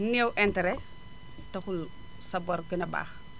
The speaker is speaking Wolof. néew interet taxul sa bor gën a baax